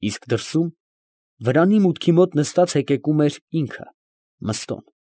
Իսկ դրսում, վրանի մուտքի մոտ նստած հեկեկում էր ինքը Մըստոն։